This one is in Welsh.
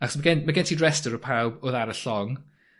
Acos ma' gen ma' gen ti rester o pawb odd ar y llong